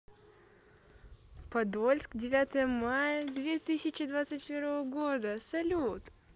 подольск девятое мая две тысячи двадцать первого года салют